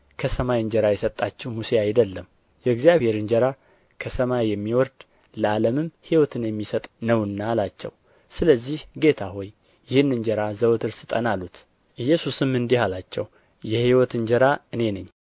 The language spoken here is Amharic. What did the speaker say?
ከሰማይ እንጀራ የሰጣችሁ ሙሴ አይደለም የእግዚአብሔር እንጀራ ከሰማይ የሚወርድ ለዓለምም ሕይወትን የሚሰጥ ነውና አላቸው ስለዚህ ጌታ ሆይ ይህን እንጀራ ዘወትር ስጠን አሉት ኢየሱስም እንዲህ አላቸው የሕይወት እንጀራ እኔ ነኝ